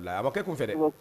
A bɛ kɛ kun fɛ dɛ